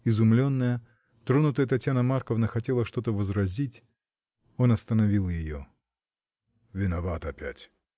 Изумленная, тронутая Татьяна Марковна хотела что-то возразить, он остановил ее. — Виноват опять!